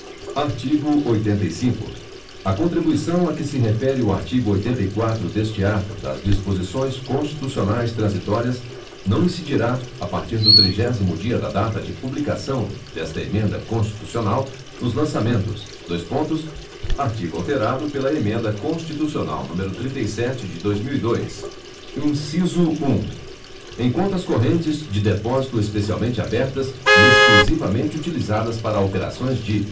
artigo oitenta e cinco a contribuição a que se refere o artigo oitenta e quatro deste ato das disposições constitucionais transitórias não incidirá a partir do trigésimo dia da data de publicação desta emenda constitucional nos lançamentos dois pontos artigo alterado pela emenda constitucional número trinta e sete de dois mil e dois inciso um em contas correntes de depósito especialmente abertas e exclusivamente utilizadas para operações de